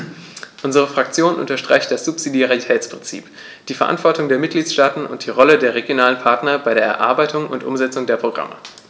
Unsere Fraktion unterstreicht das Subsidiaritätsprinzip, die Verantwortung der Mitgliedstaaten und die Rolle der regionalen Partner bei der Erarbeitung und Umsetzung der Programme.